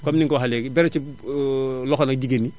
comme ni nga ko waxee léegi beral ci loxo nag la jigéen ñi